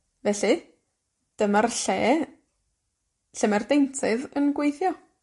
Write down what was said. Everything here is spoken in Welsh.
Felly, dyma'r lle, lle mae'r deintydd yn gweithio.